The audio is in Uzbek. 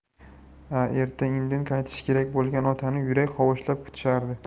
a erta indin qaytishi kerak bo'lgan otani yurak hovuchlab kutishardi